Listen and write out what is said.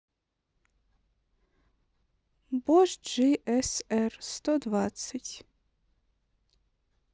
бош джи эс эр сто двадцать